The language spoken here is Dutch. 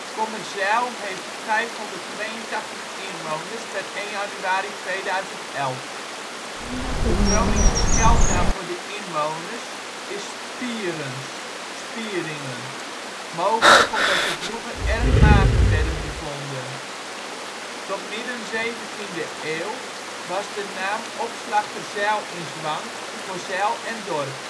Kommerzijl heeft 582 inwoners (1 januari 2011). De Groningse scheldnaam voor de inwoners is Spierens (spieringen), mogelijk omdat ze vroeger erg mager werden bevonden. Tot midden 17e eeuw was de naam ' Opslagterzijl ' in zwang voor zijl en dorp